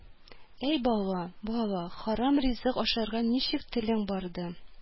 «әй бала, бала, харам ризык ашарга ничек телең барды